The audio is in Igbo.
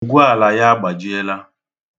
Ngwuala ya agbajiela.